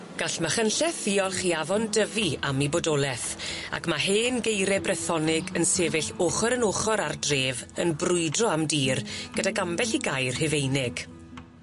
Gall Machynlleth ddiolch i Afon Dyfi am 'i bodoleth ac ma' hen gaere Brythonig yn sefyll ochor yn ochor a'r dref yn brwydro am dir gydag ambell i gaer Rhufeinig.